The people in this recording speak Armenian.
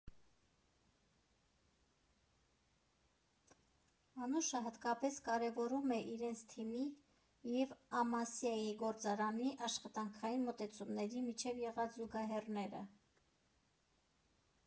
Անուշը հատկապես կարևորում է իրենց թիմի և Ամասիայի գործարանի աշխատանքային մոտեցումների միջև եղած զուգահեռները։